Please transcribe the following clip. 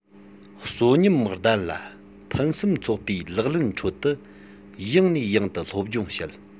གསོན ཉམས ལྡན ལ ཕུན སུམ ཚོགས པའི ལག ལེན ཁྲོད དུ ཡང ནས ཡང དུ སློབ སྦྱོང བྱེད